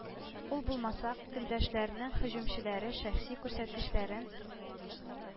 Ул булмаса, көндәшләрнең һөҗүмчеләре шәхси күрсәткечләрен